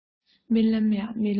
རྨི ལམ ཡ རྨི ལམ